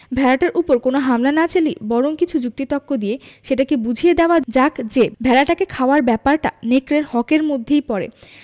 ভেড়াটার উপর কোন হামলা না চালিয়ে বরং কিছু যুক্তি তক্ক দিয়ে সেটাকে বুঝিয়ে দেওয়া যাক যে ভেড়াটাকে খাওয়ার ব্যাপারটা নেকড়ের হক এর মধ্যেই পড়ে